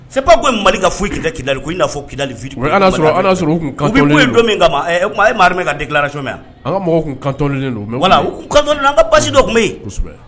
Se mali ki kili ko i fɔ ki don min ye min ka deli cogoya ka basi dɔ tun bɛ yen